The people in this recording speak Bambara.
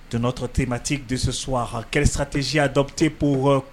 Dontɔ temati de s a ha ki-tezya dɔpte pauloɔ